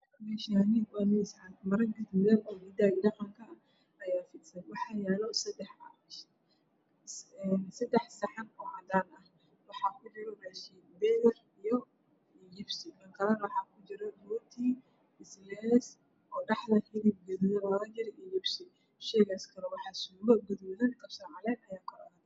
saaka saan usoo toosay wax ma cunin hadda waxaa la ii keenay hilib karsan